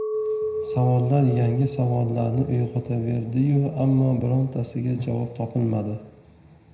savollar yangi savollarni uyg'otaverdi yu ammo birontasiga javob topilmadi